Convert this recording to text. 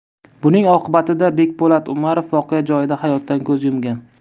buning oqibatida bekpo'lat umarov voqea joyida hayotdan ko'z yumgan